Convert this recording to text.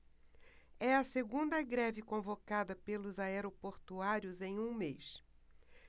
é a segunda greve convocada pelos aeroportuários em um mês